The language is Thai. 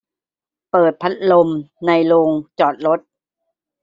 เปิดพัดลมในโรงจอดรถ